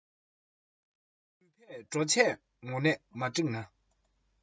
འགྲུལ པས འགྲོ ཆས སྔོན ནས མ བསྒྲིགས ན